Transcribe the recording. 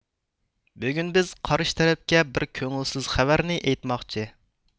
بۈگۈن بىز قارشى تەرەپكە بىر كۆڭۈلسىز خەۋەرنى ئېيتماقچى